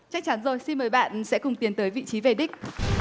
chắc chắn rồi xin mời bạn sẽ cùng tiến tới vị trí về đích